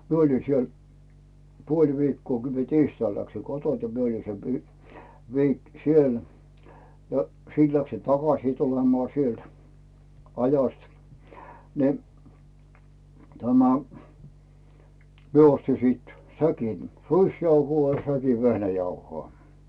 minä oli siellä puoli viikkoa kun minä tiistaina läksin kotoa niin minä oli se - siellä ja sitten läksin takaisin tulemaan sieltä ajosta niin tämä minä ostin sitten säkin ruisjauhoa ja säkin vehnäjauhoa